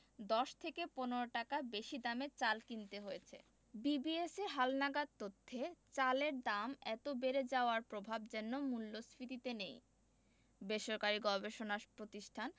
১০ থেকে ১৫ টাকা বেশি দামে চাল কিনতে হয়েছে বিবিএসের হালনাগাদ তথ্যে চালের দাম এত বেড়ে যাওয়ার প্রভাব যেন মূল্যস্ফীতিতে নেই বেসরকারি গবেষণা প্রতিষ্ঠান